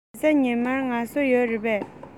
རེས གཟའ ཉི མར ངལ གསོ ཡོད རེད པས